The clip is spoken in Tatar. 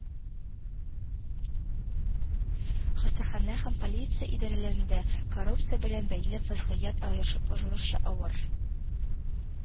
Хастаханә һәм полиция идарәләрендә коррупция белән бәйле вәзгыять аеруча авыр